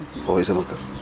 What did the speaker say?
foofu mooy sama kër